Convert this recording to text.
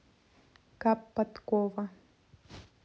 кап подкова